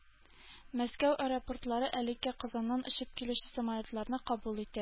Мәскәү аэропортлары әлегә Казаннан очып килүче самолетларны кабул итә